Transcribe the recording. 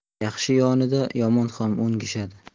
yaxshi yonida yomon ham o'ngishadi